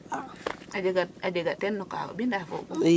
a jega ten no ka o bindaa foogum?